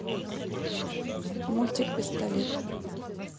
мультик пистолет